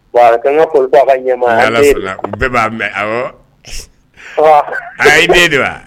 Baba ka ɲɛ bɛɛ b'a mɛn ayi den don wa